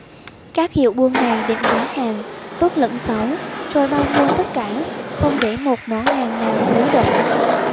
các hiệu buôn này định giá hàng tốt lẫn xấu rồi bao mua tất cả không để một món hàng nào ứ động